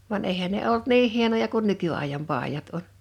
vaan eihän ne ollut niin hienoja kuin nykyajan paidat on